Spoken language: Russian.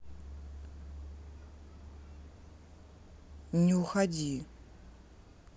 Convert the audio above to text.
не уходи